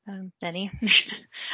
'Na ni .